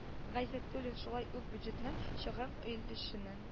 Гайзатуллин шулай ук бюджетның чыгым өлешенең